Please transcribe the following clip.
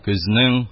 Көзнең